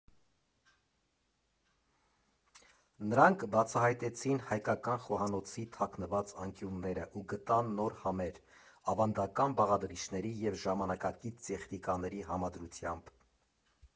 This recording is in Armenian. Նրանք բացահայտեցին հայկական խոհանոցի թաքնված անկյունները ու գտան նոր համեր՝ ավանդական բաղադրիչների և ժամանակակից տեխնիկաների համադրությամբ։